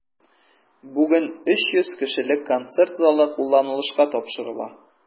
Бүген 300 кешелек концерт залы кулланылышка тапшырыла.